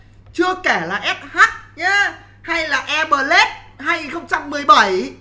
chưa kể là ép hắt nhá hay là e bờ lết hai nghìn không trăm mười bẩy